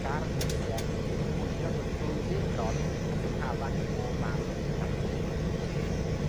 gardd lysie sy'n ein bwydo drwy'r flwyddyn gron ac sy'n hafan i bob math o fyd natur.